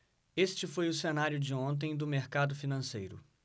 este foi o cenário de ontem do mercado financeiro